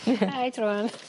Paid rŵan.